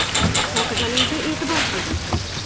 pokizaligiga etibor qildim